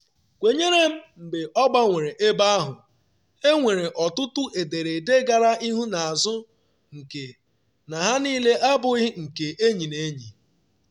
Kwenyere m, mgbe ọ gbanwere ebe ahụ, enwere ọtụtụ ederede gara ihu na azụ nke na ha niile abụghị nke enyi na enyi.